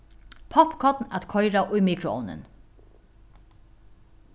poppkorn at koyra í mikroovnin